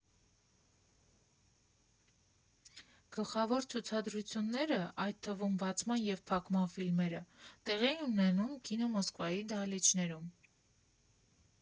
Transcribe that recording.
Գլխավոր ցուցադրությունները, այդ թվում՝ բացման և փակման ֆիլմերը, տեղի էին ունենում կինո «Մոսկվայի» դահլիճներում։